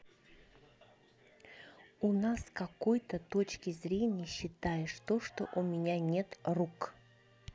у нас какой то точки зрения считаешь то что у меня нет рук